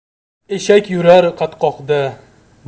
eshak yurar qatqoqda